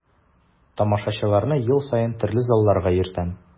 Тамашачыларны ел саен төрле залларга йөртәм.